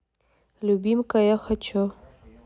любимка я хочу